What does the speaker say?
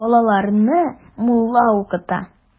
Балаларны мулла укыта.